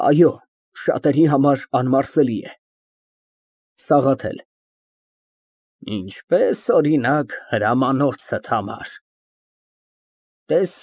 Այո, շատերի համար անմարսելի է։ ՍԱՂԱԹԵԼ ֊ Ինչպես, օրինակ՝ հրամանոցդ համար։